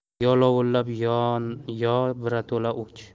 yo lovullab yon yo birato'la o'ch